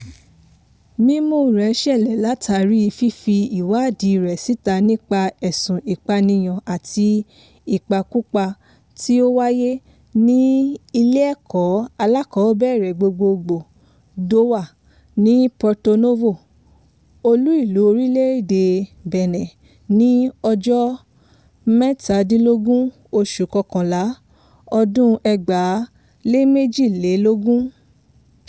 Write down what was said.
Mímú rẹ̀ ṣẹlẹ̀ látàrí fífi ìwádìí rẹ̀ síta nípa ẹ̀sùn ìpànìyàn ní ìpakúpa tí ó wáyé ní ilé ẹ̀kọ́ alákọ̀ọ́bẹ̀rẹ̀ gbogbogbò Dowa ní Porto-Novo (olú ìlú orílẹ̀ èdè Benin) ní ọjọ́ 17 oṣù Kọkànlá, ọdún 2022.